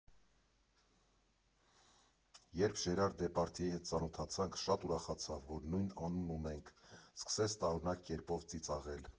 Երբ Ժերար Դեպարդյեի հետ ծանոթացանք, շատ ուրախացավ, որ նույն անունն ունենք, սկսեց տարօրինակ կերպով ծիծաղել։